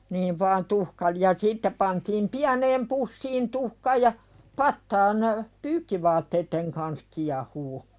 niin vain - ja sitten pantiin pieneen pussiin tuhka ja pataan pyykkivaatteiden kanssa kiehumaan